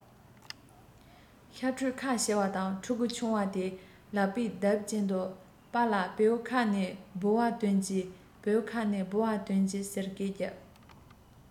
ཤ ཕྲུའི ཁ ཕྱེ བ དང ཕྲུ གུ ཆུང བ དེས ལག པ རྡེབ ཀྱིན དུ པྰ ལགས བེའུའི ཁ ནས ལྦུ བ དོན གྱིས བེའུའི ཁ ནས ལྦུ བ དོན གྱིས ཟེར སྐད རྒྱབ